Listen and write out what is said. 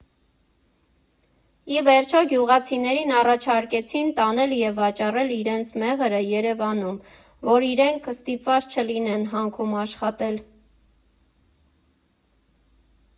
Ի վերջո, գյուղացիներին առաջարկեցին տանել և վաճառել իրենց մեղրը Երևանում, որ իրենք ստիպված չլինեն հանքում աշխատել։